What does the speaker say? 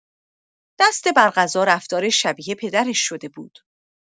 دست بر قضا رفتارش شبیه پدرش شده بود.